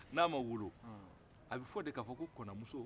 n'a ma wolo a bɛ fɔ de k'a fɔ ko konamuso